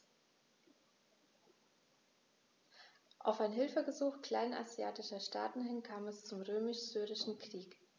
Auf ein Hilfegesuch kleinasiatischer Staaten hin kam es zum Römisch-Syrischen Krieg.